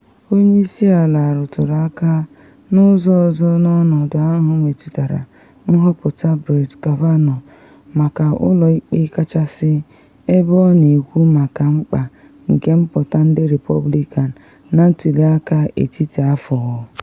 Onye isi ala rụtụrụ aka n’ụzọ ọzọ n’ọnọdụ ahụ metụtara nhọpụta Brett Kavanaugh maka Ụlọ Ikpe Kachasị ebe ọ na ekwu maka mkpa nke mpụta ndị Repọblikan na ntuli aka etiti afọ.